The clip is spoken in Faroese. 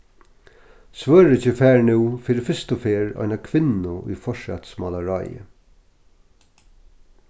svøríki fær nú fyri fyrstu ferð eina kvinnu í forsætismálaráðið